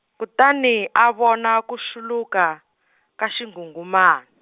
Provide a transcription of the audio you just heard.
kutani a vona ku swuluka, ka xinghunghuma-.